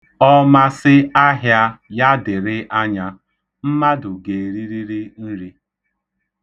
Ọ masị ̣ahịa ya dịrị anya, mmadụ ga erirịrị nri.